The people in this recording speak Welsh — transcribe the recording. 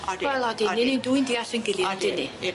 Odyn. Wel odyn ni'n dwy'n deallu 'yn gilydd on'd 'yn ni? Ie 'di.